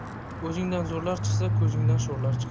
o'zingdan zo'rlar chiqsa ko'zingdan sho'rlar chiqar